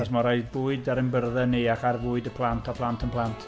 Achos mae'n rhoid bwyd ar ein byrddau ni ac ar fwyd y plant a plant ein plant.